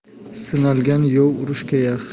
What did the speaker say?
sinalgan yov urushga yaxshi